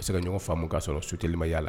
bɛ se ka ɲɔgɔn faamu k'a sɔrɔ sauté li man y'ala.